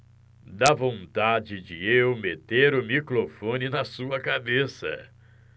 dá vontade de eu meter o microfone na sua cabeça